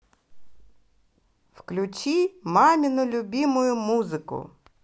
включи мамину любимую музыку